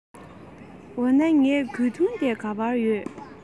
འོ ན ངའི གོས ཐུང དེ ག པར ཡོད